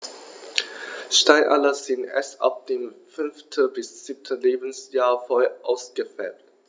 Steinadler sind erst ab dem 5. bis 7. Lebensjahr voll ausgefärbt.